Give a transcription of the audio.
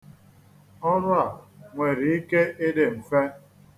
Ọrụ a nwere ike ịdị mfe.